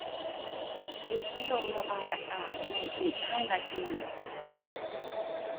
ปิดพัดลมระบายอากาศในอีกห้านาที